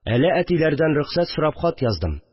Әле әтиләрдән рөхсәт сорап хат яздым